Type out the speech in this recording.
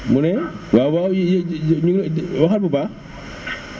mu ne waaw waaw yé ñu ngi lay waxal bu baax